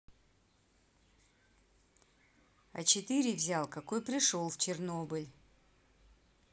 а четыре взял какой пришел в чернобыль